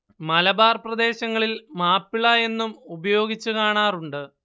മലബാർ പ്രദേശങ്ങളിൽ മാപ്പിള എന്നും ഉപയോഗിച്ചു കാണാറുണ്ട്